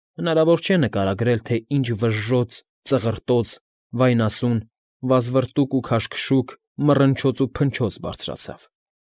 Հնարավոր չէ նկարագրել, թե ինչ վժժոց, ծղրտոց, վայնասուն, վազվռտուք ու քաշքշուկ, մռնչոց ու փնչոց բարձրացավ։